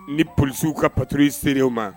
Ni polisiw u ka patrouille ser'e ma